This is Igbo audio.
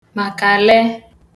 màkàle